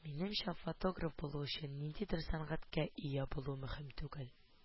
- минемчә, фотограф булу өчен ниндидер сәнгатькә ия булу мөһим түге